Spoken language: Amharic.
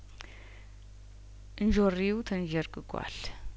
እንዦሪው ተንዠርግጓል